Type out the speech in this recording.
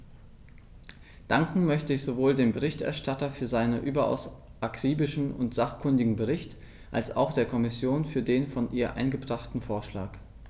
Danken möchte ich sowohl dem Berichterstatter für seinen überaus akribischen und sachkundigen Bericht als auch der Kommission für den von ihr eingebrachten Vorschlag.